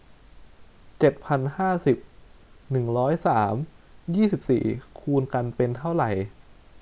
เจ็ดพันห้าสิบหนึ่งร้อยสามยี่สิบสี่คูณกันเป็นเท่าไหร่